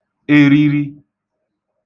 eriri